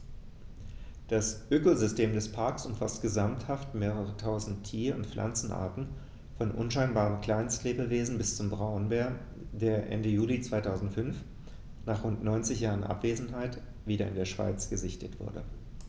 Das Ökosystem des Parks umfasst gesamthaft mehrere tausend Tier- und Pflanzenarten, von unscheinbaren Kleinstlebewesen bis zum Braunbär, der Ende Juli 2005, nach rund 90 Jahren Abwesenheit, wieder in der Schweiz gesichtet wurde.